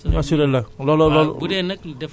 ñoom daañu ñëw bu ñu ñëwee ñu defal leen contrat bi